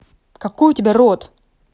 какой у тебя рот